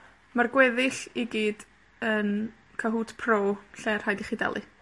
Mae'r gweddill i gyd yn Cahoot Pro, lle' rhaid i chi dalu.